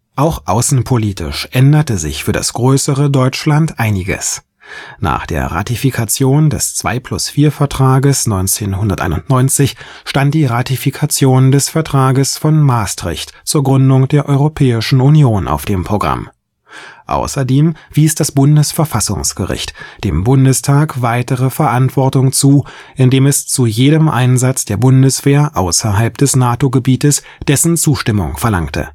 Auch außenpolitisch änderte sich für das größere Deutschland Einiges: Nach der Ratifikation des Zwei-plus-Vier-Vertrages 1991 stand die Ratifikation des Vertrags von Maastricht zur Gründung der Europäischen Union auf dem Programm. Außerdem wies das Bundesverfassungsgericht dem Bundestag weitere Verantwortung zu, indem es zu jedem Einsatz der Bundeswehr außerhalb des NATO-Gebietes dessen Zustimmung verlangte